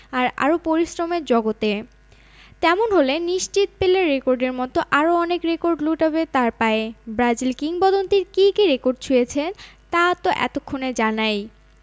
আর আরও পরিশ্রমের জগতে তেমন হলে নিশ্চিত পেলের রেকর্ডের মতো আরও অনেক রেকর্ড লুটাবে তাঁর পায়ে ব্রাজিল কিংবদন্তির কী কী রেকর্ড ছুঁয়েছেন তা তো এতক্ষণে জানাই